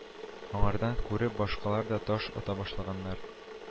Аңардан күреп башкалар да таш ата башлаганнар